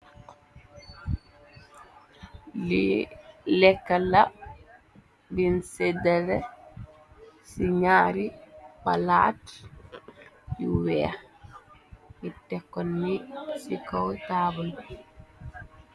Li lekkala binsedere ci nyaari palaate yu weex lir tekkon ni ci kow tabalbi.